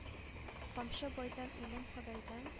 КАМЧЫ БАЙДАН, ҮЛЕМ ХОДАЙДАН